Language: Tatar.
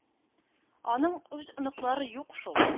Аның үз оныклары юк шул.